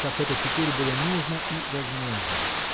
как это теперь было нужно и возможно.